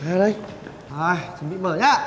ra đây rồi chuẩn bị mở nhá